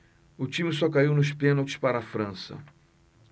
o time só caiu nos pênaltis para a frança